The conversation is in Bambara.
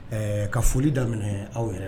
Ɛɛ ka foli daminɛ minɛ aw yɛrɛ